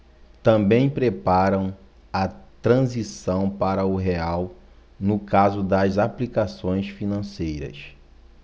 também preparam a transição para o real no caso das aplicações financeiras